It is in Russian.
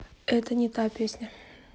это не эта песня